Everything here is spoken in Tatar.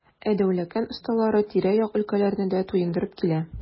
Ә Дәүләкән осталары тирә-як өлкәләрне дә туендырып килә.